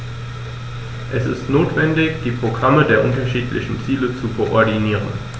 Es ist notwendig, die Programme der unterschiedlichen Ziele zu koordinieren.